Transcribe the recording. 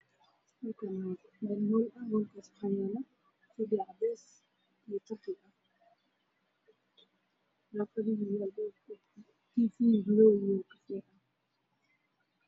Halkaan waa meel hool ah waxaa yaalo fadhi cadeys iyo qaxwi ah, darbiga waxaa kudhagan tiifii madow iyo qaxwi ah.